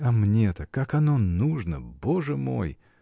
А мне-то как оно нужно, Боже мой!